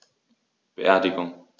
Beerdigung